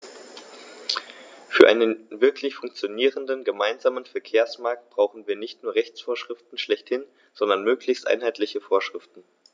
Für einen wirklich funktionierenden gemeinsamen Verkehrsmarkt brauchen wir nicht nur Rechtsvorschriften schlechthin, sondern möglichst einheitliche Vorschriften.